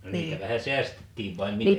niitä vähän säästettiin vai miten